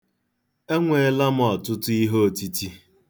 Enweela m ọtụtụ iheotiti.